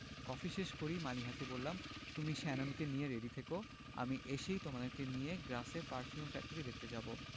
coffee শেষ করেই মালিহাকে বললাম তুমি শ্যাননকে নিয়ে রেডি থেকো আমি এসেই তোমাদের নিয়ে গ্রাসে পারফিউম ফ্যাক্টরি দেখতে যাবো